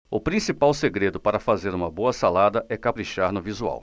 o principal segredo para fazer uma boa salada é caprichar no visual